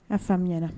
A faamuya